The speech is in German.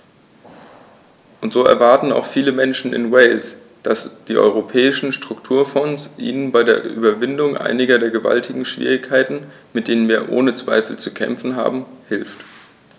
Und so erwarten auch viele Menschen in Wales, dass die Europäischen Strukturfonds ihnen bei der Überwindung einiger der gewaltigen Schwierigkeiten, mit denen wir ohne Zweifel zu kämpfen haben, hilft.